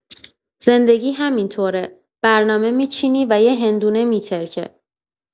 زندگی همین‌طوره، برنامه می‌چینی و یه هندونه می‌ترکه.